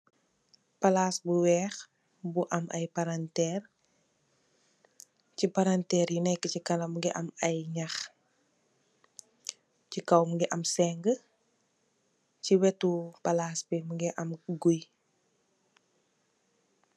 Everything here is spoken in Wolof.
Palas bu weex bu am ayi palant terr, ci palant terr yi neki ci cannam mingi am ayi nahh ci kaw mingi am sengah ci wetu palas bi mogi am guyyi.